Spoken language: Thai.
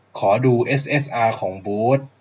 ขอดูเอสเอสอาของโบ๊ท